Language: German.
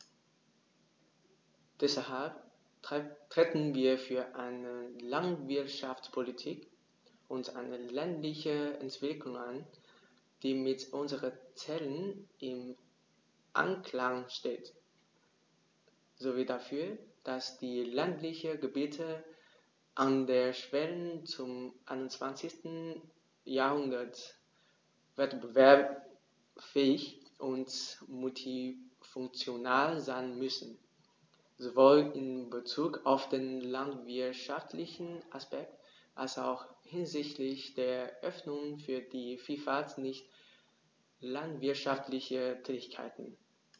Deshalb treten wir für eine Landwirtschaftspolitik und eine ländliche Entwicklung ein, die mit unseren Zielen im Einklang steht, sowie dafür, dass die ländlichen Gebiete an der Schwelle zum 21. Jahrhundert wettbewerbsfähig und multifunktional sein müssen, sowohl in Bezug auf den landwirtschaftlichen Aspekt als auch hinsichtlich der Öffnung für die Vielfalt nicht landwirtschaftlicher Tätigkeiten.